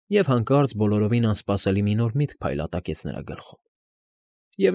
Եվ հանկարծ բոլորովին անսպասելի մի նոր միտք փայլատակեց նրա գլխում, և։